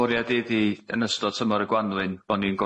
Mwriad i 'di yn ystod tymor y Gwanwyn bo ni'n